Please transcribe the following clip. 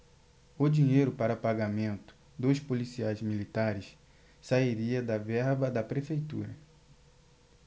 o dinheiro para pagamento dos policiais militares sairia de verba da prefeitura